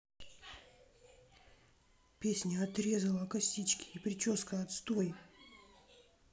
песня отрезала косички и прическа отстой